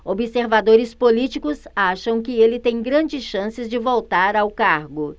observadores políticos acham que ele tem grandes chances de voltar ao cargo